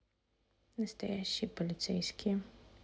настоящие полицейские